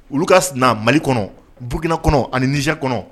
Olu ka sina mali kɔnɔ b bukina kɔnɔ ani nisɔnz kɔnɔ